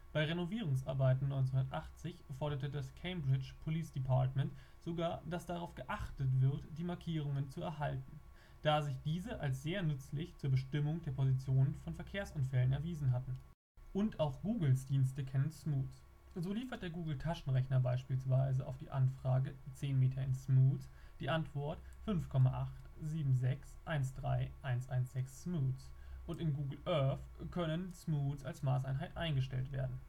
Bei Renovierungsarbeiten 1980 forderte das Cambridge Police department sogar, dass darauf geachtet wird die Markierungen zu erhalten, da sich diese als sehr nützlich zur Bestimmung der Position von Verkehrsunfällen erwiesen hatten. Und auch Googles Dienste kennen Smoots. So liefert der Google-Taschenrechner beispielsweise auf die Anfrage 10 meter in smoots die Antwort 5.87613116 smoots und in Google Earth können Smoots als Maßeinheit eingestellt werden